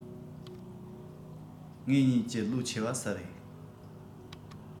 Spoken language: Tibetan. ངེད གཉིས ཀྱི ལོ ཆེ བ སུ རེད